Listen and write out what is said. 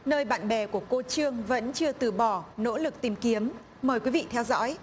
nơi bạn bè của cô trương vẫn chưa từ bỏ nỗ lực tìm kiếm mời quý vị theo dõi